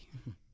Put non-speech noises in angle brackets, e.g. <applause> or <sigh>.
<hesitation> <hesitation>